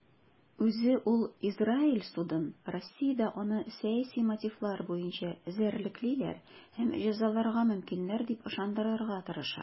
Үзе ул Израиль судын Россиядә аны сәяси мотивлар буенча эзәрлеклиләр һәм җәзаларга мөмкиннәр дип ышандырырга тырыша.